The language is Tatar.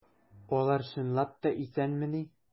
Алар чынлап та исәнмени?